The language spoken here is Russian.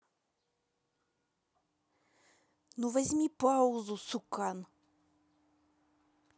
ну возьми паузу сукан